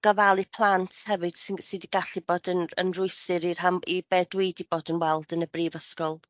gofalu plant hefyd sy'n sy 'di gallu bod yn yn rwystur i rhan- i be' dwi 'di bod yn weld yn y brifysgol.